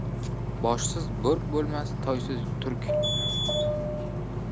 boshsiz bo'rk bo'lmas toysiz turk